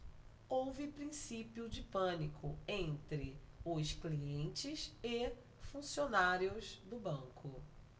houve princípio de pânico entre os clientes e funcionários do banco